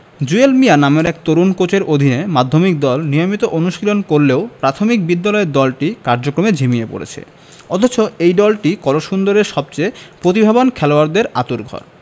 জুয়েল মিয়া নামের এক তরুণ কোচের অধীনে মাধ্যমিক দল নিয়মিত অনুশীলন করলেও প্রাথমিক বিদ্যালয়ের দলটির কার্যক্রম ঝিমিয়ে পড়েছে অথচ এই দলটিই কলসিন্দুরের সবচেয়ে প্রতিভাবান খেলোয়াড়দের আঁতুড়ঘর